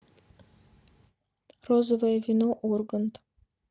розовое вино ургант